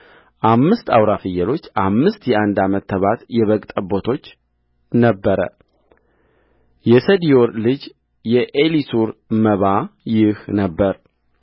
አምስት አውራ ፍየሎች አምስት የአንድ ዓመት ተባት የበግ ጠቦቶች ነበረ የሰዲዮር ልጅ የኤሊሱር መባ ይህ ነበረ